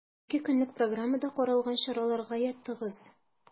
Ике көнлек программада каралган чаралар гаять тыгыз.